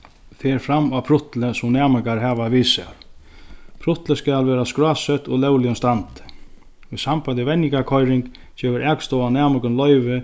fer fram á prutli sum næmingar hava við sær prutlið skal vera skrásett og lógligum standi í sambandi við venjingarkoyring gevur akstovan næmingum loyvi